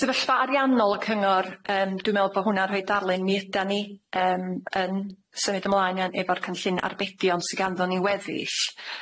sefyllfa ariannol y cyngor yym dwi me'wl bo hwnna'n rhoi darlun mi ydan ni yym yn symud ymlaen yn- efo'r cynllun arbedion sy ganddon ni'n weddill.